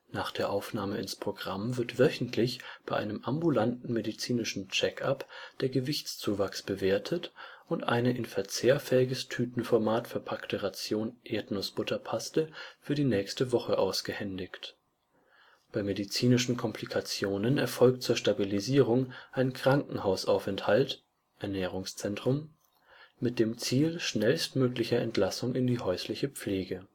Nach der Aufnahme ins Programm wird wöchentlich bei einem ambulanten medizinischen Check-up der Gewichtszuwachs bewertet und eine in verzehrfähiges Tütenformat verpackte Ration Erdnussbutterpaste für die nächste Woche ausgehändigt. Bei medizinischen Komplikationen erfolgt zur Stabilisierung ein Krankenhausaufenthalt (Ernährungszentrum) mit dem Ziel schnellstmöglicher Entlassung in häusliche Pflege